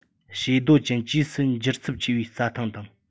བྱེ རྡོ ཅན བཅས སུ འགྱུར ཚབས ཆེ བའི རྩྭ ཐང དང